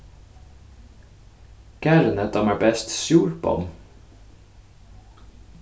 karini dámar best súr bomm